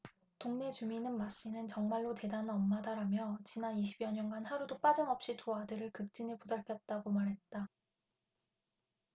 동네 주민은 마씨는 정말로 대단한 엄마다라며 지난 이십 여년간 하루도 빠짐없이 두 아들을 극진히 보살폈다고 말했다